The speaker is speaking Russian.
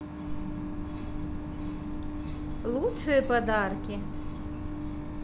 лучшие подарки